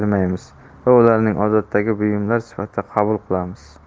bermaymiz va ularni odatdagi buyumlar sifatida qabul qilamiz